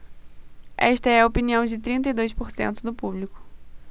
esta é a opinião de trinta e dois por cento do público